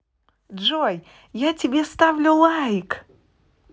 джой я тебе ставлю лайк